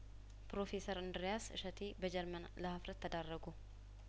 ፕሮፌሰር እንድሪያስ እሸቴ በጀርመን ለሀፍረት ተዳረጉ